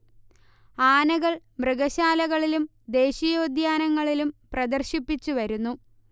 ആനകൾ മൃഗശാലകളിലും ദേശീയോദ്യാനങ്ങളിലും പ്രദർശിപ്പിച്ചുവരുന്നു